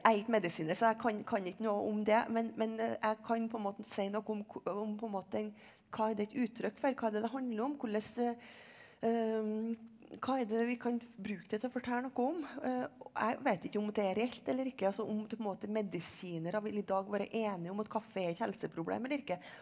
jeg er ikke medisiner så jeg kan kan ikke noe om det men men jeg kan på en måte si noe om om på en måte en hva er det et uttrykk for, hva er det det handler om, hvordan hva er det vi kan bruke det til å fortelle noe om og jeg vet ikke om det er reelt eller ikke altså om på en måte medisinere vil i dag være enige om at kaffe er et helseproblemet eller ikke.